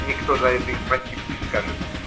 Никто за это и спасиба не скажет.